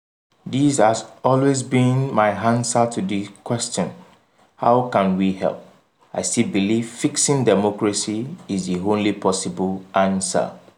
This has always been my answer to the question "how can we help?" I still believe [fixing democracy] is the only possible answer.